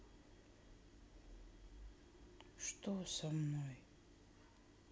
что со мной